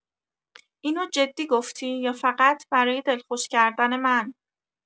اینو جدی گفتی یا فقط برای دلخوش کردن من؟